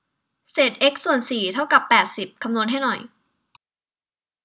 เศษเอ็กซ์ส่วนสี่เท่ากับแปดสิบคำนวณให้หน่อย